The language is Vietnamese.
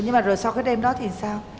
nhưng mà rồi sau cái đêm đó thì sao